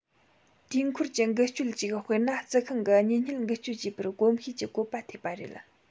དུས འཁོར གྱི འགུལ སྐྱོད ཅིག དཔེར ན རྩི ཤིང གི གཉིད ཉལ འགུལ སྐྱོད ཅེས པར གོམས གཤིས ཀྱི བཀོད པ ཐེབས པ རེད